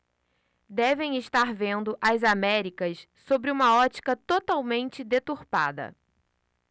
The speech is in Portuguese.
devem estar vendo as américas sob uma ótica totalmente deturpada